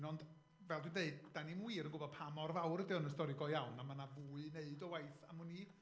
ond, fel dwi'n deud, dan ni'm wir yn gwybod pa mor fawr ydy o yn y stori go iawn, a ma' 'na fwy i wneud o waith am ŵn i.